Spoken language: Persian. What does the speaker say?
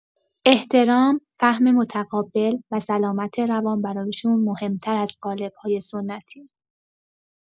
احترام، فهم متقابل و سلامت روان براشون مهم‌تر از قالب‌های سنتیه.